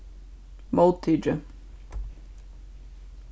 móttikið